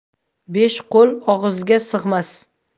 besh qo'l og'izga sig'mas